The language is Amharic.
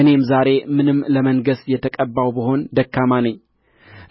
እኔም ዛሬ ምንም ለመንገሥ የተቀባሁ ብሆን ደካማ ነኝ